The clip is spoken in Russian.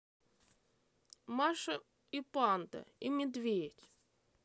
маша и панда и медведь